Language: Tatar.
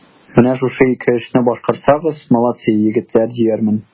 Менә шушы ике эшне башкарсагыз, молодцы, егетләр, диярмен.